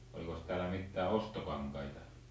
olikos täällä mitään ostokankaita